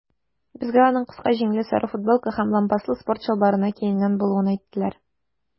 Безгә аның кыска җиңле сары футболка һәм лампаслы спорт чалбарына киенгән булуын әйттеләр.